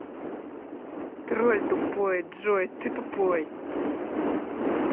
троль тупой джой ты тупой